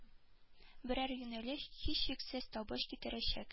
Берәр юнәлеш һичшиксез табыш китерәчәк